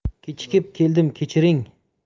kechikib keldim kechiring